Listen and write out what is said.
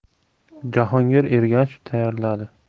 jahongir ergashev tayyorladi